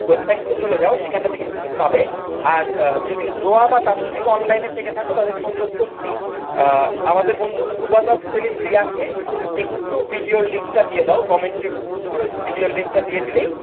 ওয়েবসাইটটিতে চলে যাও সেখানটাতে কিন্তু তুমি পাবে আর যদি যোয়া বা তাসফিক অনলাইনে থেকে থাকো তাদেরকে অনুরোধ করছি আমাদের বন্ধু সুবাতাস সেলিম রিয়াকে একটু ভিডিও লিংকটা দিয়ে দাও কমেন্টে ভিডিও লিঙ্কটা দিয়ে দিলেও